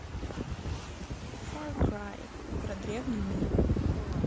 far cry про древний мир